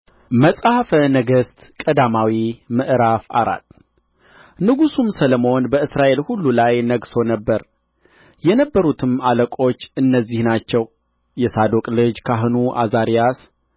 መጽሐፈ ነገሥት ቀዳማዊ ምዕራፍ አራት ንጉሡም ሰሎሞን በእስራኤል ሁሉ ላይ ነግሦ ነበር የነበሩትም አለቆች እነዚህ ናቸው የሳዶቅ ልጅ ካህኑ ዓዛርያስ